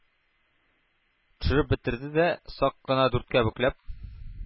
Төшереп бетерде дә, сак кына дүрткә бөкләп,